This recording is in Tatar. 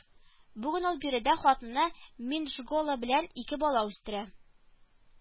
Бүген ул биредә хатыны Минджгола белән ике бала үстерә